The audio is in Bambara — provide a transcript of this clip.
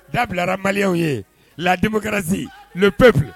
Dabilara maliw ye ladenmu kɛrae'o pefi